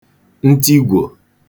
ntigwò